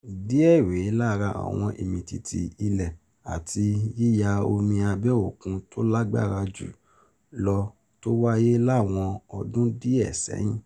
Díẹ̀ rèé lára àwọn ìmìtìtì ilẹ̀ àti yíya omi abẹ́ òkun tó lágbára jù lọ tó wáyé láwọn ọdún díẹ̀ ṣẹ́yìn: